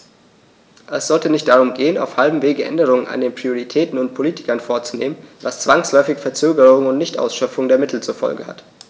Es sollte nicht darum gehen, auf halbem Wege Änderungen an den Prioritäten und Politiken vorzunehmen, was zwangsläufig Verzögerungen und Nichtausschöpfung der Mittel zur Folge hat.